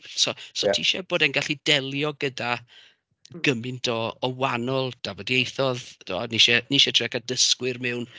So, so... ia. ...ti isie bod e'n gallu delio gyda gymaint o o wahanol dafodieithoedd, tibod. Ni isie ni isie trial cael dysgwyr mewn.